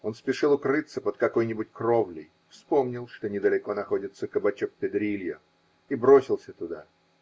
Он спешил укрыться под какой нибудь кровлей, вспомнил, что недалеко находится кабачок Педрильо, и бросился туда.